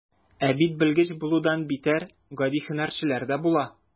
Ә бит белгеч булудан битәр, гади һөнәрчеләр дә була.